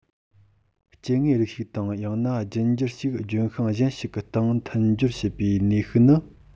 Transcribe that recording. སྐྱེ དངོས རིགས ཤིག དང ཡང ན རྒྱུད འགྱུར ཞིག ལྗོན ཤིང གཞན ཞིག གི སྟེང མཐུན སྦྱོར བྱེད པའི ནུས ཤུགས ནི